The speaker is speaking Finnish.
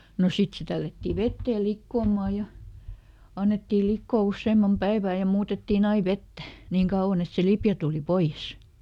no sitten se tällättiin veteen likoamaan ja annettiin liota useamman päivää ja muutettiin aina vettä niin kauan että se lipeä tuli pois